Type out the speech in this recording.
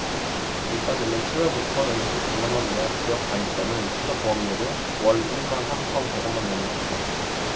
일단 내년 칠 월부터 연소득 백 만원 이하 지역가입자는 최저보험료로 월 일 만 삼천 백 원만 내면 된다